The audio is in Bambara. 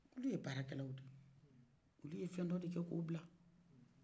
olu ye baarakɛlaw de ye olu ye fɛdɔ de kɛ k'aw bila